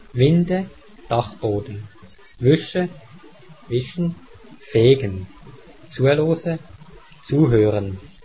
Winde –" Dachboden " wüsche (wischen) –" fegen " zuelose –" zuhören